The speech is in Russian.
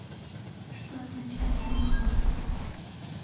что означает имя гор